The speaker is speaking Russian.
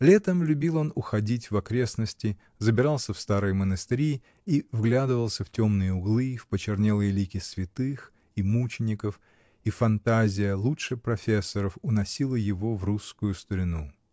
Летом любил он уходить в окрестности, забирался в старые монастыри и вглядывался в темные углы, в почернелые лики святых и мучеников, и фантазия, лучше профессоров, уносила его в русскую старину.